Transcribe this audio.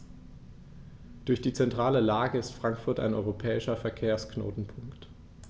Durch die zentrale Lage ist Frankfurt ein europäischer Verkehrsknotenpunkt.